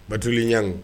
Batuli ɲangi